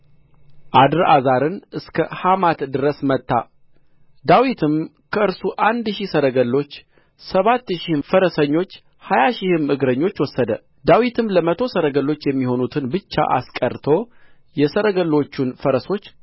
አድርአዛርን እስከ ሃማት ድረስ መታ ዳዊትም ከእርሱ አንድ ሺህ ሰረገሎች ሰባት ሺህም ፈረሰኞች ሀያ ሺህም እግረኞች ወሰደ ዳዊት ለመቶ ሰረገሎች የሚሆኑትን ብቻ አስቀርቶ የሰረገሎቹን ፈረሶች